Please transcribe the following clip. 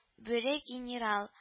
Бүре генерал